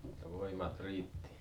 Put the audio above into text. että voimat riitti